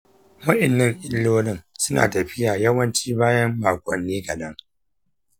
wa'innan illolin suna tafiya yawanci bayan makonni kaɗan.